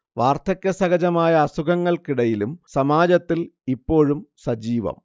വാർധക്യസഹജമായ അസുഖങ്ങൾക്കിടയിലും സമാജത്തിൽ ഇപ്പോഴും സജീവം